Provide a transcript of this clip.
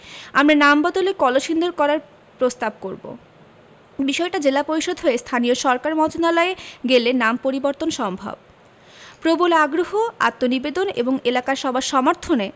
আমরা নাম বদলে কলসিন্দুর করার প্রস্তাব করব বিষয়টা জেলা পরিষদ হয়ে স্থানীয় সরকার মন্ত্রণালয়ে গেলে নাম পরিবর্তন সম্ভব প্রবল আগ্রহ আত্মনিবেদন এবং এলাকার সবার সমর্থনে